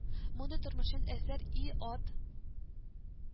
Мондый тормышчан әсәр и ат